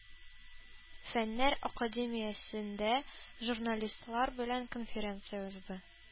Фәннәр академиясендә журналистлар белән конференция узды.